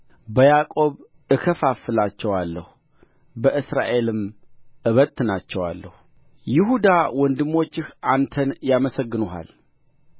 በያዕቆብ እከፋፍላቸዋለሁ በእስራኤልም እበታትናቸዋለሁ ይሁዳ ወንድሞችህ አንተን ያመሰግኑሃል